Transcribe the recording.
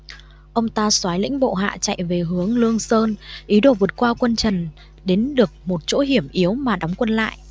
ông ta soái lĩnh bộ hạ chạy về hướng lương sơn ý đồ vượt qua quân trần đến được một chỗ hiểm yếu mà đóng quân lại